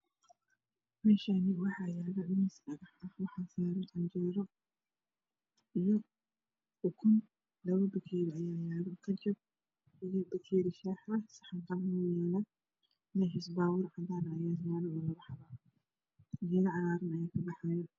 Meeshaani waxaa yaalo miis waxaa saaran canjeeero ukun labo bakeeri ayaa yaalo bakeeri shaax ah madaxiisa baabur cadaan ayaa yaalo